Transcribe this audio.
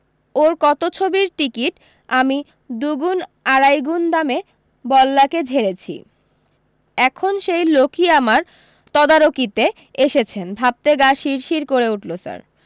ওর কত ছবির টিকিট আমি দুগুণ আড়াইগুণ দামে বল্যাকে ঝেড়েছি এখন সেই লোকি আমার তদারকীতে এসেছেন ভাবতে গা শিরশির করে উঠলো স্যার